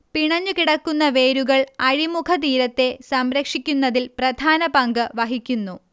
പിണഞ്ഞുകിടക്കുന്ന വേരുകൾ അഴിമുഖ തീരത്തെ സംരക്ഷിക്കുന്നതിൽ പ്രധാനപങ്ക് വഹിക്കുന്നു